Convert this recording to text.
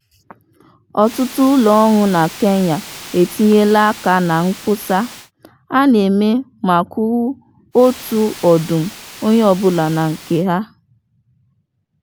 Ọtụtụ ụlọ ọrụ na Kenya etinyela aka na mkposa a na-eme ma 'kuru' otu ọdụm onye ọbụla na nke ha.